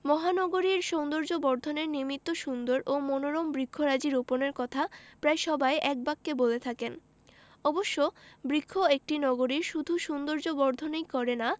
মহানগরীর সৌন্দর্যবর্ধনের নিমিত্ত সুন্দর ও মনোরম বৃক্ষরাজি রোপণের কথা প্রায় সবাই একবাক্যে বলে থাকেন অবশ্য বৃক্ষ একটি নগরীর শুধু সৌন্দর্যবর্ধনই করে না